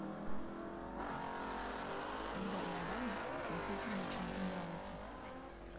когда я бальник цветут всем девчонкам нравится